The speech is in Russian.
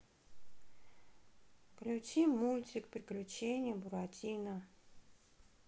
включи мультик приключения буратино